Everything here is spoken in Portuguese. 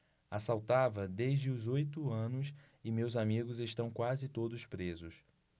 assaltava desde os oito anos e meus amigos estão quase todos presos